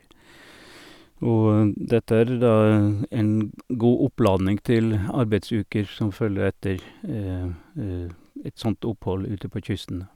Og dette er det da en god oppladning til arbeidsuker som følger etter et sånt opphold ute på kysten, da.